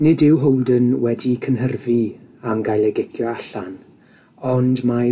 Nid yw Holden wedi cynhyrfu am gael ei gicio allan, ond mae